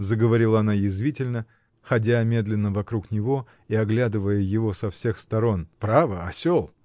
— заговорила она язвительно, ходя медленно вокруг него и оглядывая его со всех сторон. — Право, осел!